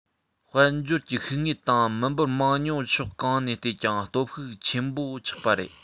དཔལ འབྱོར གྱི ཤུགས དངོས དང མི འབོར མང ཉུང ཕྱོགས གང ནས བལྟས ཀྱང སྟོབས ཤུགས ཆེན པོ ཆགས པ རེད